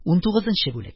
Унтугызынчы бүлек